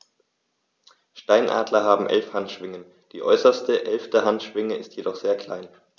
Steinadler haben 11 Handschwingen, die äußerste (11.) Handschwinge ist jedoch sehr klein.